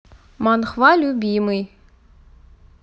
манхва любимый